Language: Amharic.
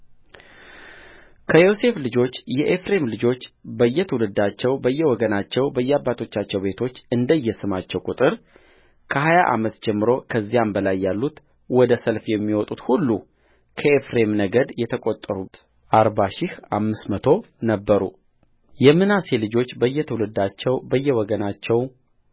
ከዮሴፍ ልጆች የኤፍሬም ልጆች በየትውልዳቸው በየወገናቸው በየአባቶቻቸው ቤቶች እንደየስማቸው ቍጥር ከሀያ ዓመት ጀምሮ ከዚያም በላይ ያሉት ወደ ሰልፍ የሚወጡት ሁሉከኤፍሬም ነገድ የተቈጠሩት አርባ ሺህ አምስት መቶ ነበሩየምናሴ ልጆች በየትውልዳቸው በየወገናቸው